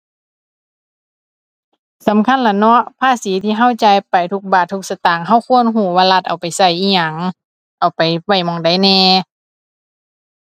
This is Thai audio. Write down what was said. สำคัญล่ะเนาะ ภาษีที่เราจ่ายไปทุกบาททุกสตางค์ เราควรเราว่ารัฐเอาไปเราอิหยัง เอาไปไว้หม้องใดแหน่